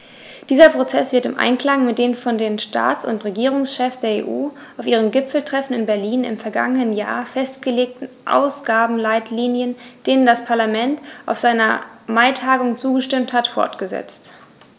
Dieser Prozess wird im Einklang mit den von den Staats- und Regierungschefs der EU auf ihrem Gipfeltreffen in Berlin im vergangenen Jahr festgelegten Ausgabenleitlinien, denen das Parlament auf seiner Maitagung zugestimmt hat, fortgesetzt.